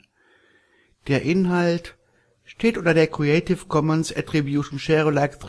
Der Inhalt steht unter der Lizenz Creative Commons Attribution Share Alike